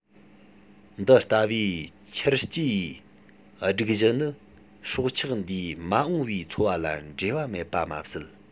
འདི ལྟ བུའི ཆུར སྐྱེས སྒྲིག གཞི ནི སྲོག ཆགས འདིའི མ འོངས པའི འཚོ བ ལ འབྲེལ བ མེད པ མ ཟད